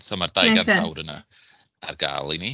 so mae'r... ocê ... dau gant awr yna ar gael i ni.